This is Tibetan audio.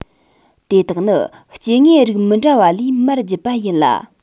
དེ དག ནི སྐྱེ དངོས རིགས མི འདྲ བ ལས མར བརྒྱུད པ ཡིན ལ